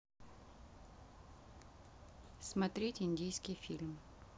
смотреть индийский фильм